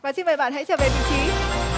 và xin mời bạn hãy trở về vị trí